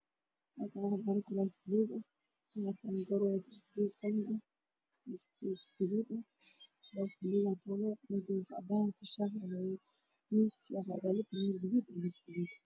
Waa meel waddo oo maqaayad ah waxaa fadhiya nin naaga ayaa ah taagan kuraas ayey ku fanaanshaha ayaa lagu iibinayaa